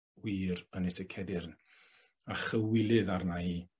wŷw Ynys y Cedyrn, a chywilydd arna i